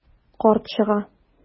Карт чыга.